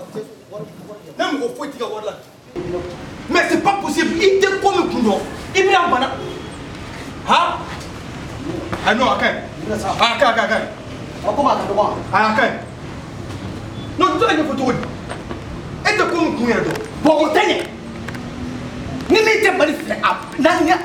Kun a n e tɛ ko kun ni tɛ bali